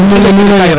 a xumel o liro yeeq